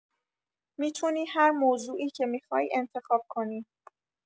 می‌تونی هر موضوعی که می‌خوای انتخاب کنی.